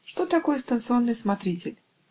Что такое станционный смотритель?